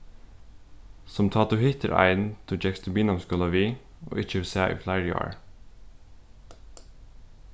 sum tá tú hittir ein tú gekst í miðnámsskúla við og ikki hevur sæð í fleiri ár